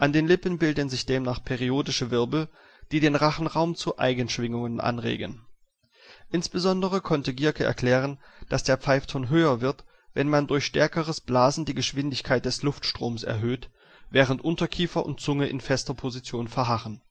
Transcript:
den Lippen bilden sich demnach periodische Wirbel, die den Rachenraum zu Eigenschwingungen anregen. Insbesondere konnte Gierke erklären, dass der Pfeifton höher wird, wenn man durch stärkeres Blasen die Geschwindigkeit des Luftstroms erhöht, während Unterkiefer und Zunge in fester Position verharren